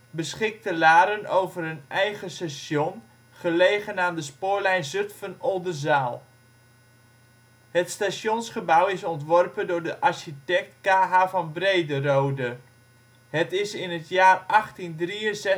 beschikte Laren over een eigen station gelegen aan de spoorlijn Zutphen - Oldenzaal. Het stationsgebouw is ontworpen door architect K.H. van Brederode. Het is in het jaar 1863 gebouwd. In 1925 is